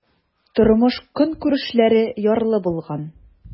Тормыш-көнкүрешләре ярлы булган.